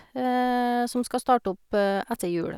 Som skal starte opp etter jul.